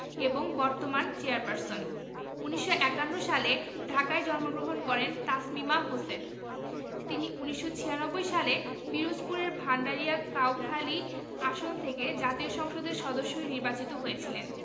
এবং বর্তমান চেয়ারপারসন ১৯৫১ সালে ঢাকায় জন্মগ্রহণ করেন তাসমিমা হোসেন তিনি ১৯৯৬ সালে পিরোজপুরের ভাণ্ডারিয়া কাউখালী আসন থেকে জাতীয় সংসদের সদস্য নির্বাচিত হয়েছিলেন